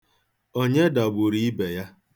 Onye dagburu ibe ya?